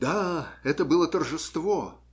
Да, это было торжество!